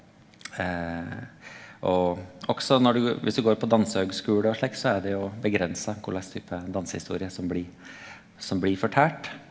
og også når du viss du går på dansehøgskule og slik så er det jo avgrensa korleis type dansehistorie som blir som blir fortalt.